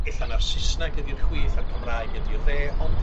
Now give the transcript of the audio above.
ella na'r Sysnag ydi'r chwith a'r Cymraeg ydi'r dde ond